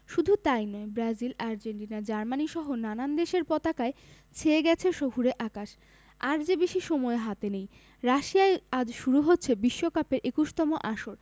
শুধু তা ই নয় ব্রাজিল আর্জেন্টিনা জার্মানিসহ নানান দেশের পতাকায় ছেয়ে গেছে শহুরে আকাশ আর যে বেশি সময় হাতে নেই রাশিয়ায় আজ শুরু হচ্ছে বিশ্বকাপের ২১তম আসর